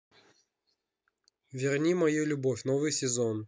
верни мою любовь новый сезон